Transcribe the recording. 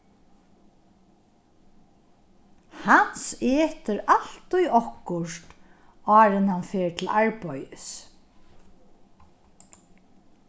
hans etur altíð okkurt áðrenn hann fer til arbeiðis